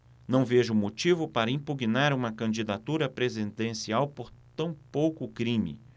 não vejo motivo para impugnar uma candidatura presidencial por tão pouco crime